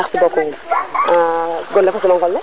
merci beaucoup gon le fo simangol le